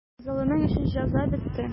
Золымың өчен җәза бетте.